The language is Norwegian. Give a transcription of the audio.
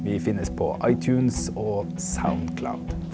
vi finnes på iTunes og Soundcloud.